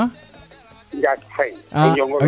Diang faye o Njongoloor